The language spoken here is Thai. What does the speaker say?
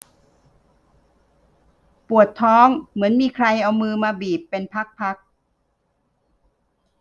ปวดท้องเหมือนมีใครเอามือมาบีบเป็นพักพัก